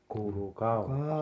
kuuluu kauas